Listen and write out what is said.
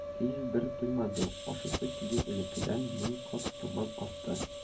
Һичбере туймады, ашыйсы килү элеккедән мең кат яман артты